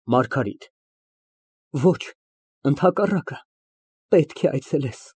ՄԱՐԳԱՐԻՏ ֊ Ոչ, ընդհակառակը, պետք է այցելես։